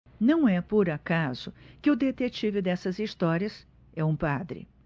não é por acaso que o detetive dessas histórias é um padre